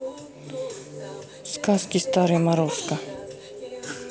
сказки старый морозко